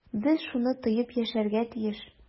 Без шуны тоеп яшәргә тиеш.